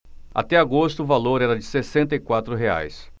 até agosto o valor era de sessenta e quatro reais